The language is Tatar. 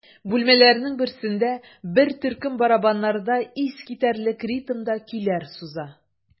Бүлмәләрнең берсендә бер төркем барабаннарда искитәрлек ритмда көйләр суза.